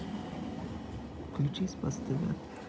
включи спас тв